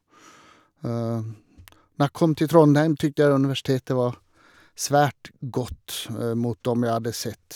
Når jeg kom til Trondheim, tykte jeg at universitetet var svært godt mot dem jeg hadde sett.